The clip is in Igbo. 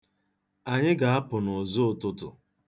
Anyị ga-apụ n'ụzọụtụtụ.